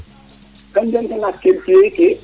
*